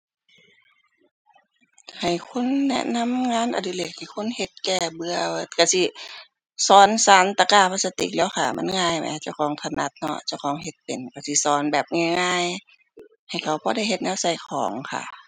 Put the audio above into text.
ให้คุณแนะนำงานอดิเรกให้คนเฮ็ดแก้เบื่อว่าติ ก็สิสอนสานตะกร้าพลาสติกแหล้วค่ะ มันง่ายแหม เจ้าของถนัดเนาะ เจ้าของเฮ็ดเป็น ก็สิสอนแบบง่ายง่าย ให้เขาพอได้เฮ็ดแนวใส่ของค่ะ